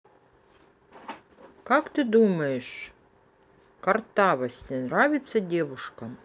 как ты думаешь картавость нравится девушкам